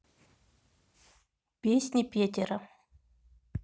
песни петера